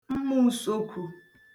mmàùsokwū